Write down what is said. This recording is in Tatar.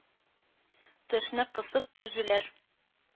Тешне кысып түзүләр,